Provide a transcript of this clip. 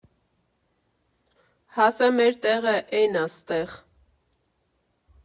Հասե մեր տեղը էնա ստեղ։